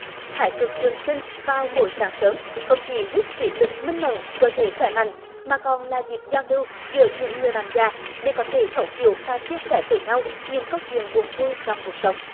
thái cực trường sinh vào mỗi sáng sớm không chỉ giúp trị lực minh mẫn cơ thể khỏe mạnh mà còn là dịp giao lưu giữa những người bạn già đi có thể thấu hiểu và chia sẻ với nhau những câu chuyện buồn vui trong cuộc sống